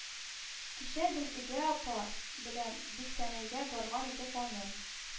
Кичә Гөлбикә апа белән Биксәнәйгә барган идек аның